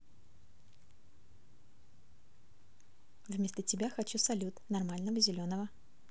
вместо тебя хочу салют нормального зеленого